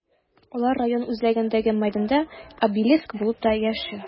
Алар район үзәгендәге мәйданда обелиск булып та яши.